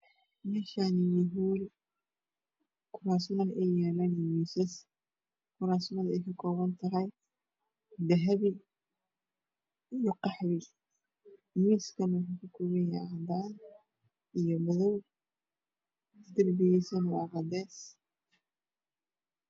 Meeshaani wa hool kuraas yalaan iyo miisas kuurstu ay ka koopan tahy dahapi iyo qaxwi miiskana uu ka koopan yahy cadaan iyo madow darpigiisano waa cadees